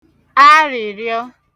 arị̀rịọ